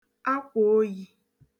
akwàoyī